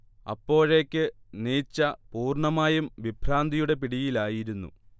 അപ്പോഴേക്ക് നീച്ച പൂർണ്ണമായും വിഭ്രാന്തിയുടെ പിടിയിലായിരുന്നു